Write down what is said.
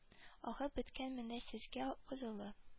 Агы беткән менә сезгә кызылы